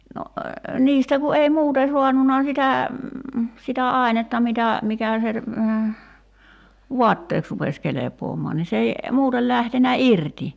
no niistä kun ei muuten saanut sitä sitä ainetta mitä mikä se vaatteeksi rupesi kelpaamaan niin se ei muuten lähtenyt irti